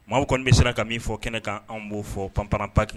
Maaw kɔnni bɛ siran ka min fɔ kɛnɛ kan anw b'o fɔ panpara paki.